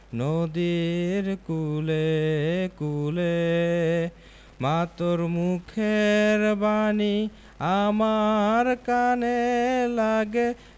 নদীর কূলে কূলে মা তোর মুখের বাণী আমার কানে লাগে